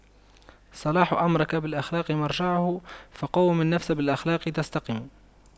صلاح أمرك بالأخلاق مرجعه فَقَوِّم النفس بالأخلاق تستقم